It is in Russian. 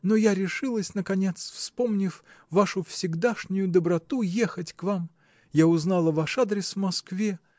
но я решилась, наконец, вспомнив вашу всегдашнюю доброту, ехать к вам я узнала ваш адрес в Москве.